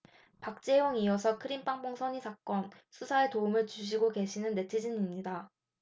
박재홍 이어서 크림빵 뺑소니 사건 수사에 도움을 주시고 계시는 네티즌입니다